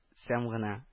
Сәмгына